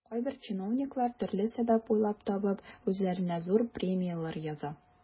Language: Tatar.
Кайбер чиновниклар, төрле сәбәп уйлап табып, үзләренә зур премияләр яза.